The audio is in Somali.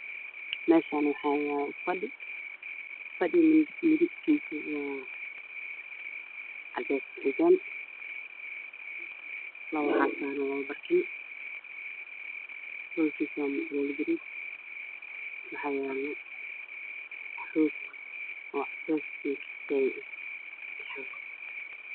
Mashan wax yalo fadhi kalar kisi waa cadan waxaa saran labo barkin waxaa dhulka yalo roog kalar kisi waa cades iyo kafeey